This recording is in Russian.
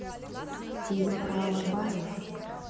фильм про алабаев